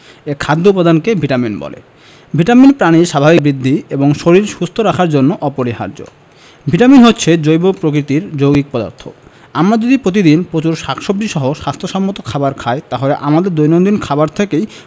ঐ খাদ্য উপাদানকে ভিটামিন বলে ভিটামিন প্রাণীর স্বাভাবিক বৃদ্ধি এবং শরীর সুস্থ রাখার জন্য অপরিহার্য ভিটামিন হচ্ছে জৈব প্রকৃতির যৌগিক পদার্থ আমরা যদি প্রতিদিন প্রচুর শাকসবজী সহ স্বাস্থ্য সম্মত খাবার খাই তাহলে আমাদের দৈনন্দিন খাবার থেকেই